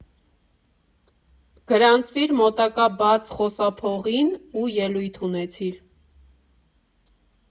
Գրանցվիր մոտակա բաց խոսափողին ու ելույթ ունեցիր։